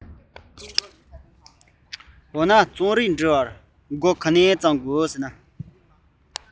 འོ ན རྩོམ ཡིག འབྲི བར མགོ གང ནས འཛུགས དགོས སམ